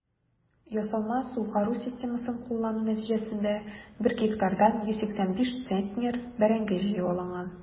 Ясалма сугару системасын куллану нәтиҗәсендә 1 гектардан 185 центнер бәрәңге җыеп алынган.